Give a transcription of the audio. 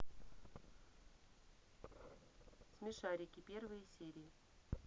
смешарики первые серии